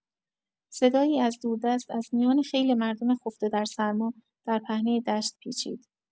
صدایی از دوردست از میان خیل مردم خفته در سرما، در پهنه دشت پیچید.